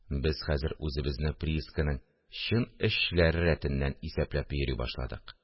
Без хәзер үзебезне приисканың чын эшчеләре рәтеннән исәпләп йөри башладык